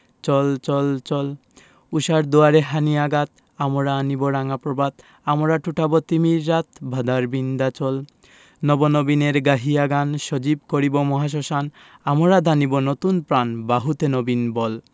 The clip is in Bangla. চল চল চল ঊষার দুয়ারে হানি' আঘাত আমরা আনিব রাঙা প্রভাত আমরা টুটাব তিমির রাত বাধার বিন্ধ্যাচল নব নবীনের গাহিয়া গান সজীব করিব মহাশ্মশান আমরা দানিব নতুন প্রাণ বাহুতে নবীন বল